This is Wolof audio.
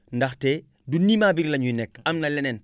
ndaxte du niima bi la ñuy nekk am na leneen